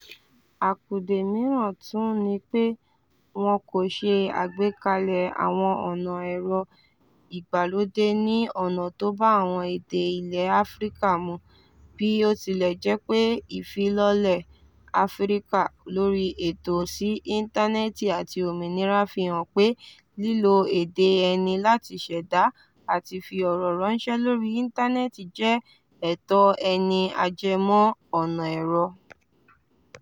Àkùdè míràn tún ni pé wọ́n kò ṣe àgbékalẹ̀ àwọn ọ̀nà ẹ̀rọ̀ ìgbàlódé ní ọ̀nà tó ba àwọn èdè ilẹ̀ Áfíríkà mu, bí ó tilẹ́jẹ́pé Ìfilọ́lẹ̀ Áfíríkà lóri Ẹ̀tọ sí Ìńtánẹ́ẹ̀tì àti Òmìnira fi hàn pé “lílo èdè ẹni láti ṣẹ̀dá àti fi ọ̀rọ̀ ránṣẹ́ lórí Ìńtànẹ́ẹ̀tì jẹ́ ẹ̀tọ́ ẹni ajẹmọ́ ọ̀na ẹrọ”